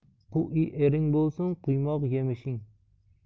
qui ering bo'lsin quymoq yemishing